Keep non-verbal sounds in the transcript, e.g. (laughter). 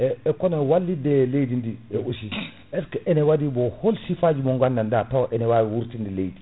e e kono wallitde leydi et aussi (clears throat) est ce que ene waɗi mo hol sifaji mo gandanɗa taw ene wawi wurtinde leydi